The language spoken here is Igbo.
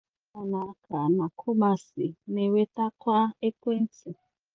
Ha na ndị na-ere ahịa n'Accra na Kumasi na-enwetakwa ekwentị.